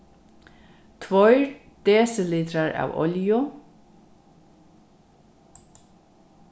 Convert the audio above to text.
tveir desilitrar av olju